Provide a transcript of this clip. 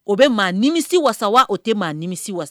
O bɛ maa nimi wasa waa o tɛ maa nimi wasa